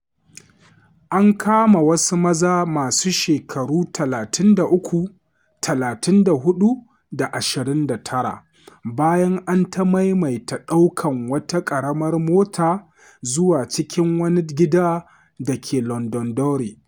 An kama wasu maza, masu shekaru 33, 34 da 29, bayan an ta maimaita ɗaukan wata ƙaramar mota zuwa cikin wani gida da ke Londonderry.